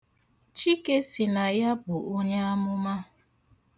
Chike sị na ya bụ onyeamụmụ.